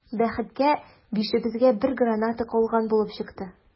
Бәхеткә, бишебезгә бер граната калган булып чыкты.